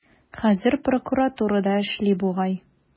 Хәзер прокуратурада эшли бугай.